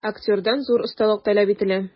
Актердан зур осталык таләп ителә.